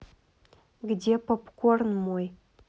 где попкорн мой